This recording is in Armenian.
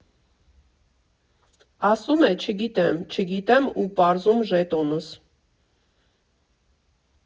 Ասում է՝ չգիտեմ, չգիտեմ ու պարզում ժետոնս։